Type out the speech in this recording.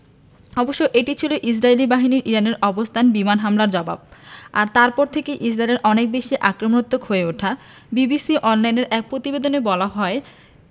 অবশ্য এটিও ছিল ইসরায়েলি বাহিনীর ইরানের অবস্থানে বিমান হামলার জবাব আর তারপর থেকেই ইসরায়েল অনেক বেশি আক্রমণাত্মক হয়ে ওঠা বিবিসি অনলাইনের এক প্রতিবেদনে বলা হয়